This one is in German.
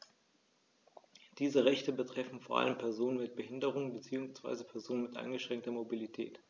Diese Rechte betreffen vor allem Personen mit Behinderung beziehungsweise Personen mit eingeschränkter Mobilität.